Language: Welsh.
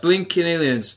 blincin aliens